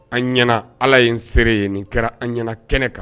An ɲɛna ala ye n seere ye nin kɛra an ɲɛna kɛnɛ kan